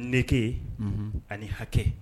Nege ani hakɛ